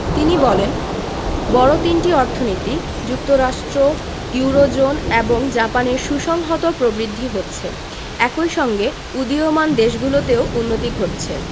তিনি বলেন বড় তিনটি অর্থনীতি যুক্তরাষ্ট্র ইউরোজোন এবং জাপানের সুসংহত প্রবৃদ্ধি হচ্ছে একই সঙ্গে উদীয়মান দেশগুলোতেও উন্নতি ঘটছে